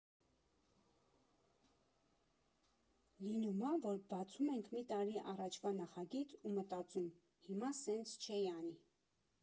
Լինում ա՞, որ բացում ենք մի տարի առաջվա նախագիծ ու մտածում՝ հիմա սենց չէի անի։